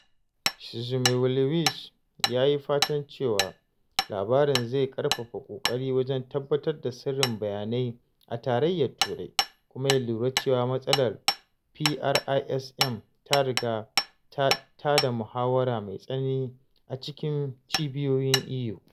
Szymielewicz ya yi fatan cewa labarin zai ƙarfafa ƙoƙari wajen tabbatar da sirrin bayanai a Tarayyar Turai, kuma ya lura cewa “matsalar PRISM” ta riga ta tada “muhawara mai tsanani” a cikin cibiyoyin EU.